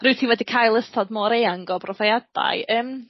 Rwyt ti wedi cael ystod mor eang o brofeiadau yym